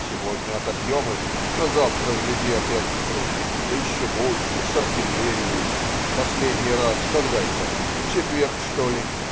Сегодня отобьем их - назавтра, гляди, опять прут, да еще больше, с артиллерией. Последний раз, когда это? в четверг, что ли?